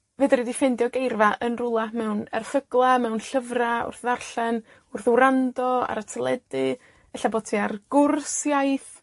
Fedri di ffindio geirfa yn rhywla, mewn erthygla, mewn llyfra, wrth ddarllen, wrth wrando, ar y teledu, ella bo' ti ar gwrs iaith.